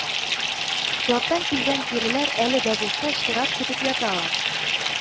Складтан килгән тиреләр әле дә булса чират көтеп яталар